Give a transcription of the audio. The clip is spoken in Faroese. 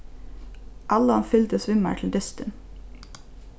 allan fylgdist við mær til dystin